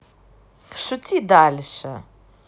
шути дальше